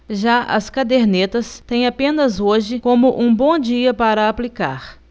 já as cadernetas têm apenas hoje como um bom dia para aplicar